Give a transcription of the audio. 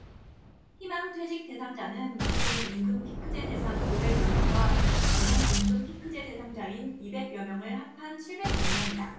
희망퇴직 대상자는 기존 임금피크제 대상 오백 여 명과 내년 임금피크제 대상자인 이백 여 명을 합한 칠백 여 명이다